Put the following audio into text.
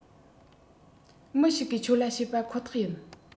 མི ཞིག གིས ཁྱོད ལ བཤད པ ཁོ ཐག ཡིན